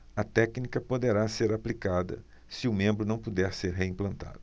a técnica poderá ser aplicada se o membro não puder ser reimplantado